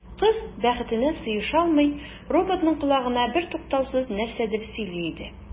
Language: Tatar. Кыз, бәхетенә сыеша алмый, роботның колагына бертуктаусыз нәрсәдер сөйли иде.